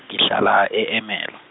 ngihlala e- Ermelo.